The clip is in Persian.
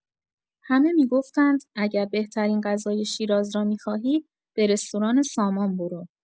همه می‌گفتند: اگر بهترین غذای شیراز را می‌خواهی، به رستوران سامان برو.